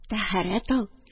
Тәһарәт ал